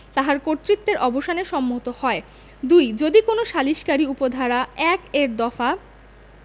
তাহার কর্তৃত্বের অবসানে সম্মত হয় ২ যদি কোন সালিসকারী উপ ধারা ১ এর দফা